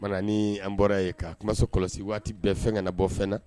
Mana ni an bɔra ye ka kumaso kɔlɔsi waati bɛɛ fɛn ka nan bɔ fɛn na